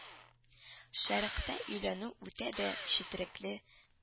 Шәрекътә өйләнү үтә дә четерекле